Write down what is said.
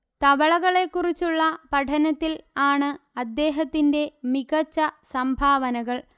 തവളകളെക്കുറിച്ചുള്ള പഠനത്തിൽ ആണ് അദ്ദേഹത്തിന്റെ മികച്ച സംഭാവനകൾ